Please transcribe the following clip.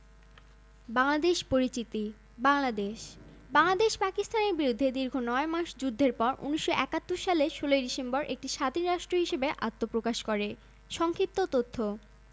দেশের প্রায় ৭৫ শতাংশ ভূমিই সমুদ্র সমতল থেকে মাত্র তিন মিটারের চাইতেও কম উঁচু এবং প্রতিনিয়ত বন্যা ও ঘূর্ণিঝড়ের মতো প্রাকৃতিক দুর্যোগে আক্রান্ত হয়